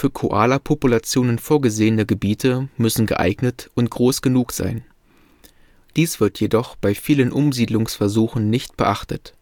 Koalapopulationen vorgesehene Gebiete müssen geeignet und groß genug sein. Dies wird jedoch bei vielen Umsiedlungversuchen nicht beachtet